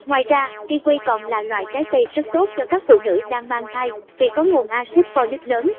ngoài ra kiwi còn là loại trái cây rất tốt cho các phụ nữ đang mang thai vì có nguồn axit folic lớn